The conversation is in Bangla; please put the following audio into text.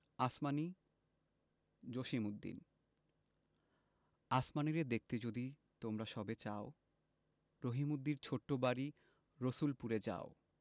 আসমানী জসিমউদ্দিন আসমানীরে দেখতে যদি তোমরা সবে চাও রহিমদ্দির ছোট্ট বাড়ি রসুলপুরে যাও